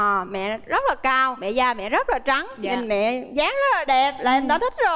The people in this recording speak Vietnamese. ò mẹ rất là cao mẹ da mẹ rất là trắng mẹ dáng rất đẹp là em đã rất là